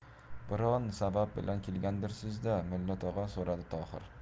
biron sabab bilan kelgandirsiz da mulla tog'a so'radi tohir